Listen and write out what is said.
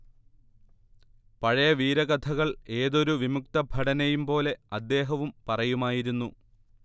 പഴയ വീരകഥകൾ ഏതൊരു വിമുക്തഭടനെയുംപോലെ അദ്ദേഹവും പറയുമായിരുന്നു